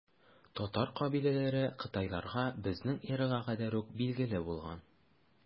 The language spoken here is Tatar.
Татар кабиләләре кытайларга безнең эрага кадәр үк билгеле булган.